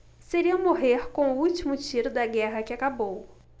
seria morrer com o último tiro da guerra que acabou